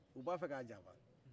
u b'a fɛ k'a janfa